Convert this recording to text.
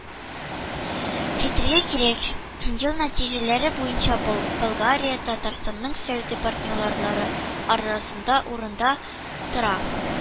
Әйтергә кирәк, ел нәтиҗәләре буенча Болгария Татарстанның сәүдә партнерлары арасында урында тора